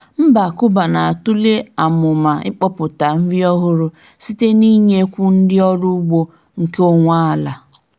Mba Kuba na-atule amụma ịkọpụta nrị ọhụrụ site n'ịnyekwu ndị ọrụ ugbo nkeonwe ala.